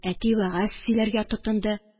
Әти вәгазь сөйләргә тотынды.